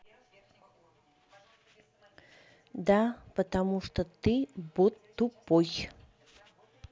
да потому что ты бот тупой